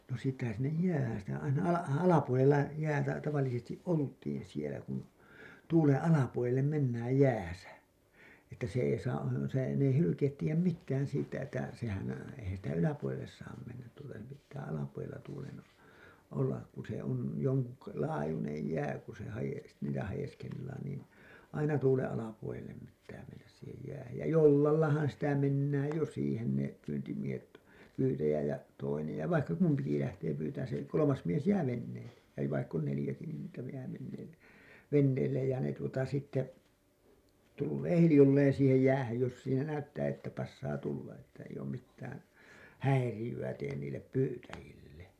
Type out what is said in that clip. no siitähän sinne jäähän sitä aina - alapuolella jäätä tavallisesti oltiin siellä kun tuulen alapuolelle mennään jäässä että se ei saa se ne ei hylkeet tiedä mitään siitä että sehän eihän sitä yläpuolelle saa mennä tuulta se pitää alapuolella tuulen olla kun se on jonkun laajuinen jää kun se - niitä haeskellaan niin aina tulee alapuolelle pitää mennä siihen jäähän ja jollallahan sitä mennään jo siihen ne pyyntimiehet pyytäjä ja toinen ja vaikka kumpikin lähtee pyytämään se kolmas mies jää veneelle ja vaikka on neljäkin niin niitä jää veneelle veneelle ja ne tuota sitten tulee hiljalleen siihen jäähän jos siinä näyttää että passaa tulla että ei ole mitään häiriöitä tee niille pyytäjille